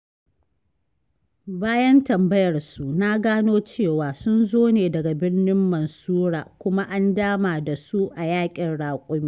Bayan tambayar su, na gano cewa, sun zo ne daga birnin Mansoura kuma an dama da su a ''Yaƙin Raƙumi''